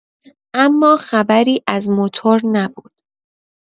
اما خبری از موتور نبود.